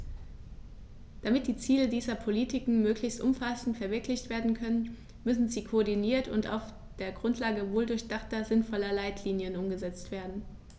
Damit die Ziele dieser Politiken möglichst umfassend verwirklicht werden können, müssen sie koordiniert und auf der Grundlage wohldurchdachter, sinnvoller Leitlinien umgesetzt werden.